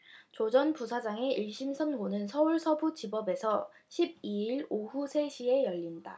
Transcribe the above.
조 전 부사장의 일 심 선고는 서울서부지법에서 십 이 일 오후 세 시에 열린다